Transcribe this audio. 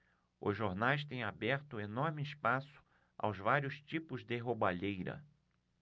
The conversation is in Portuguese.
os jornais têm aberto enorme espaço aos vários tipos de roubalheira